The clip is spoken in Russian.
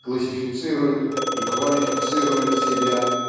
классифицирует и квалифицирует себя